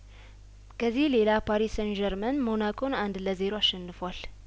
ከዚህ ሌላ ፓሪ ሰን ዠርመን ሞናኮን አንድ ለዜሮ አሸንፏል